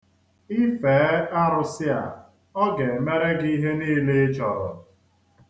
I fee arụsị a, ọ ga-emere gị ihe niile ị chọrọ.